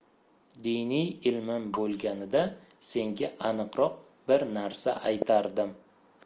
diniy ilmim bo'lganida senga aniqroq bir narsa aytardim